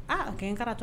Aa o kɛn ye n karatu